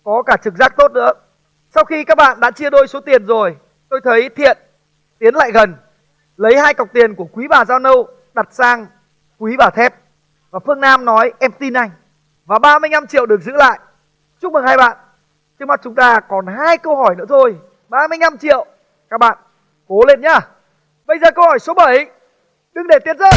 có cả trực giác tốt nữa sau khi các bạn đã chia đôi số tiền rồi tôi thấy thiện tiến lại gần lấy hai cọc tiền của quý bà da nâu đặt sang quý bà thép và phương nam nói em tin anh và ba mươi nhăm triệu được giữ lại chúc mừng hai bạn trước mặt chúng ta còn hai câu hỏi nữa thôi ba mươi nhăm triệu các bạn cố lên nhá bây giờ câu hỏi số bảy đừng để tiền rơi